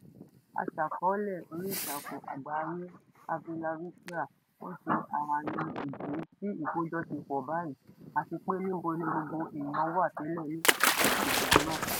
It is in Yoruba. Aṣàkọọ́lẹ̀ oríìtakùn àgbáyé Avylavitra ń ṣe ààhin ìdí tí ìkọ́jọ ṣe pọ̀ báyìí àti pé níbo ni gbogbo èèyàn wà tẹ́lẹ̀ ní àsìkò ìjà náà (mg)?